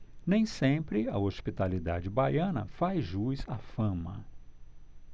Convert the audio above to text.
nem sempre a hospitalidade baiana faz jus à fama